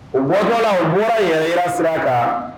U bɔtɔla u bɔra yɛrɛ yira sira kan